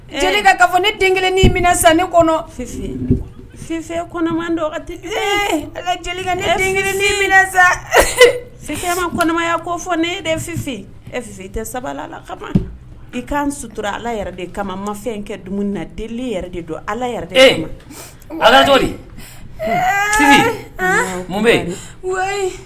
Jeli ka ka fɔ ne den kelen minɛ ne kɔnɔ fife fifɛma den kelen minɛ sa e ma kɔnɔmaya ko fɔ ne fife e tɛ sabali la ka i kaan sutura ala yɛrɛ de kama mafɛn in kɛ dumuni na delieli yɛrɛ de don ala yɛrɛ ɛɛ mun bɛ wa